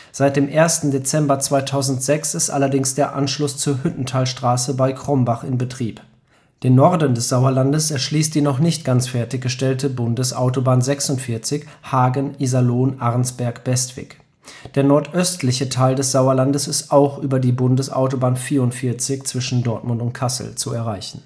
Seit dem 1. Dezember 2006 ist allerdings der Anschluss zur Hüttentalstraße bei Krombach in Betrieb. Den Norden des Sauerlandes erschließt die noch nicht ganz fertiggestellte Bundesautobahn 46 Hagen – Iserlohn – Arnsberg – Bestwig. Der nordöstliche Teil des Sauerlandes ist auch über die Autobahn Dortmund – Kassel zu erreichen